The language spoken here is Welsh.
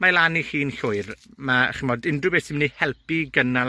Mae lan i chi'n llwyr, ma' ch'mod, unhyw beth sydd myn' i helpu i gynnal